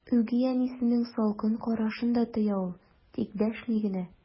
Үги әнисенең салкын карашын да тоя ул, тик дәшми генә.